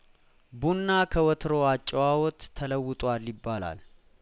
ቡና ከወትሮው አጨዋወት ተለውጧል ይባላል